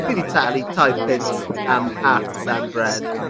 fi 'di talu tair punt am artisan bread.